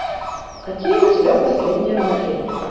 какие у тебя последние обновления